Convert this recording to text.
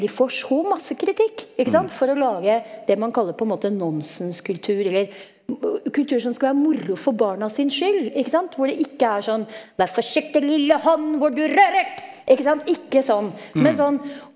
de får så masse kritikk, ikke sant, for å lage det man kaller på en måte nonsenskultur, eller kultur som skal være moro for barna sin skyld ikke sant, hvor det ikke er sånn, vær forsiktig lille hånd hvor du rører ikke sant ikke sånn men sånn.